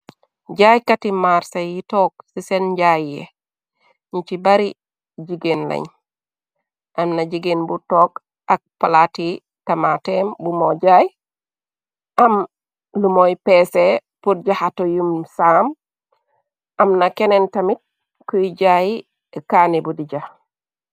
Jaaykati maarsa yi toog ci seen njaayye ñi ci bari jigéen, lañ amna jigeen bu toog ak palaati tamateem bu moo jaay , am lu mooy peesee pur jaxata yum saam , amna keneen tamit kuy jaay kaani bu dija.